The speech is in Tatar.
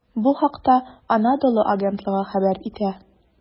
Бу хакта "Анадолу" агентлыгы хәбәр итә.